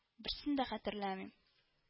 — берсен дә хәтерләмим